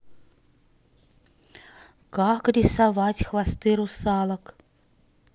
как рисовать хвосты русалок